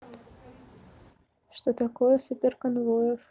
что такое супер конвоев